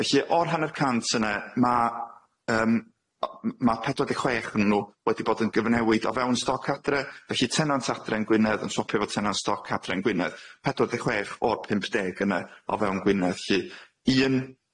Felly o'r hanner cant yne ma' yym o- m- ma' pedwar deg chwech ohonyn nw wedi bod yn gyfnewid o fewn stoc adre felly tenant adre yn Gwynedd yn swopio fo tenant stoc adre yn Gwynedd pedwar deg chwech o'r pump deg yne o fewn Gwynedd lly un